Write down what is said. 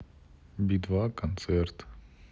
би два концерт